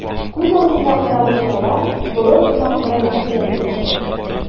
Күз алдымда кара боҗралар, болыт сыман кара нәрсәләр биешә.